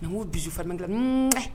N'u dusu fana dilan n